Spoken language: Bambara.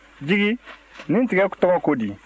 jigi nin tiga tɔgɔ ko di